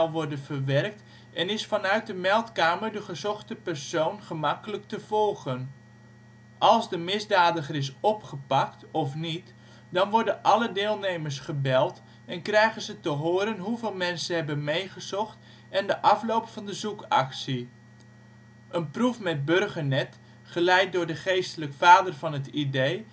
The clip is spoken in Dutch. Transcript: worden verwerkt en is vanuit de meldkamer de gezochte persoon gemakkelijk te volgen. Als de misdadiger is opgepakt (of niet) dan worden alle deelnemers gebeld en krijgen te horen hoeveel mensen hebben meegezocht en de afloop van de zoekactie. Een proef met Burgernet, geleid door de geestelijk vader van het idee